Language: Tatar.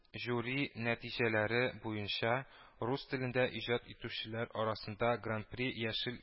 Жюри нәтиҗәләре буенча, рус телендә иҗат итүчеләр арасында Гран-при Яшел